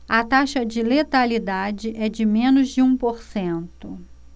a taxa de letalidade é de menos de um por cento